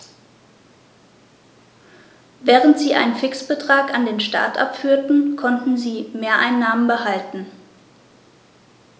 Während sie einen Fixbetrag an den Staat abführten, konnten sie Mehreinnahmen behalten.